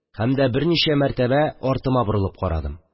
Һәм дә берничә мәртәбә артыма борылып карадым